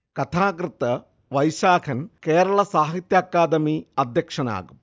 കഥാകൃത്ത് വൈശാഖൻ കേരള സാഹിത്യ അക്കാദമി അദ്ധ്യക്ഷനാകും